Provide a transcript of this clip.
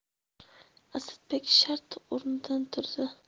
asadbek shart o'rnidan turdi